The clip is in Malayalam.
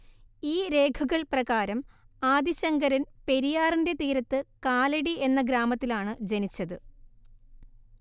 ഈ രേഖകള്‍ പ്രകാരം ആദി ശങ്കരന്‍ പെരിയാറിന്റെ തീരത്ത് കാലടി എന്ന ഗ്രാമത്തിലാണ് ജനിച്ചത്